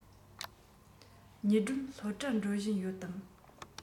ཉི སྒྲོན སློབ གྲྭར འགྲོ བཞིན ཡོད དམ